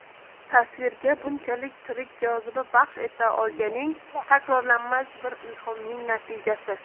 tasvirga bunchalik tirik joziba baxsh eta olganing takrorlanmas bir ilhomning natijasi